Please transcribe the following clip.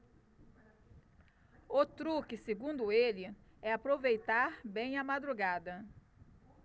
o truque segundo ele é aproveitar bem a madrugada